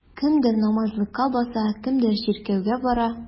Кемдер намазлыкка басса, кемдер чиркәүгә бара.